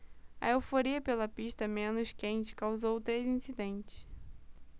a euforia pela pista menos quente causou três incidentes